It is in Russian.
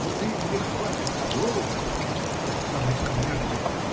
Воды мне хватит надолго. до самой смерти!